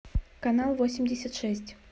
канал восемьдесят шесть